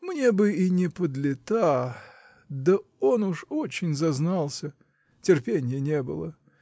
Мне бы и не под лета, да он уж очень зазнался. Терпенья не было!